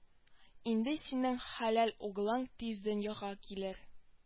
Инде синең хәлял углың тиз дөньяга килер